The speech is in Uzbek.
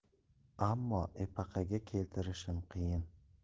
ammo epaqaga keltirishim qiyin